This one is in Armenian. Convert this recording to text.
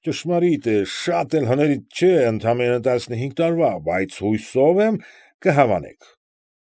Ճշմարիտ է, շատ էլ հներից չէ, ընդամենը տասնհինգ տարվա, բայց հույսով եմ կհավանեք։